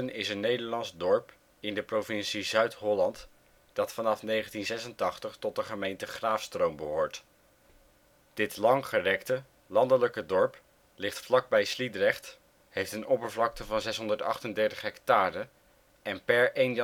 is een Nederlands dorp in de provincie Zuid-Holland dat vanaf 1986 tot de gemeente Graafstroom behoort. Dit langgerekte, landelijke dorp ligt vlakbij Sliedrecht, heeft een oppervlakte van 638 hectare en per 1 januari